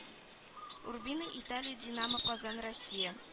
Урбино италия динамо казан россия